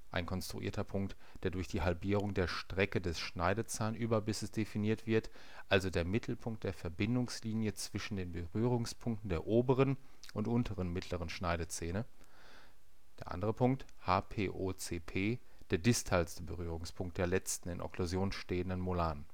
ein konstruierter Punkt, der durch die Halbierung der Strecke des Schneidezahnüberbisses definiert wird, also der Mittelpunkt der Verbindungslinie zwischen den Berührungspunkten der oberen und unteren mittleren Schneidezähne. hPOcP: der distalste Berührungspunkt der letzten in Okklusion stehenden Molaren